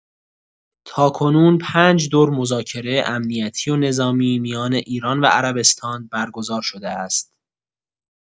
تاکنون ۵ دور مذاکره امنیتی و نظامی میان ایران و عربستان برگزار شده است.